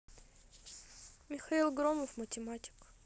михаил громов математик